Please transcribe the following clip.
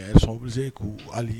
Sobilise k'u ali ye